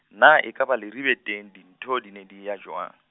na ekaba Leribe teng dintho di ne di eya jwang.